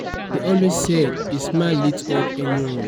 They always said his smile lit up any room."